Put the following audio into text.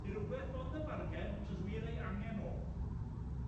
'di rwbeth mond yn fargen os o's wir ei angen o.